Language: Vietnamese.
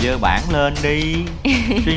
giơ bảng lên đi suy